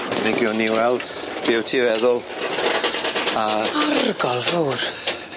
Yni gewn ni weld be' wyt ti feddwl a... Orgol fowr.